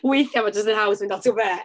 Weithiau mae jyst yn haws mynd at y we.